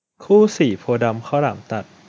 คู่สี่โพธิ์ดำข้าวหลามตัด